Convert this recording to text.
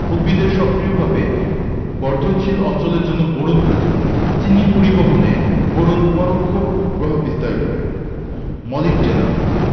উদ্ভিদের সক্রিয়ভাবে বর্ধনশীল অঞ্চলের জন্য বোরন প্রয়োজন চিনি পরিবহনে বোরন পরোক্ষ প্রভাব বিস্তার করে মোলিবডেনাম